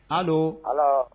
' ala